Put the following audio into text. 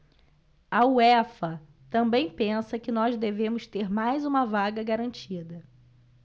a uefa também pensa que nós devemos ter mais uma vaga garantida